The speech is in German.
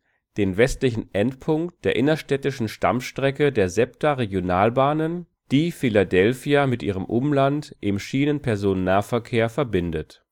den westlichen Endpunkt der innerstädtischen Stammstrecke der SEPTA-Regionalbahnen, die Philadelphia mit ihrem Umland im Schienenpersonennahverkehr verbindet